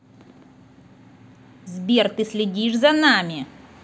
сбер ты следишь за нами